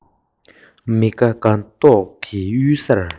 མི དགའ དགའ མདོག གིས གཡུལ སར